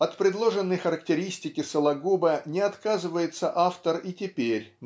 От предложенной характеристики Сологуба не отказывается автор и теперь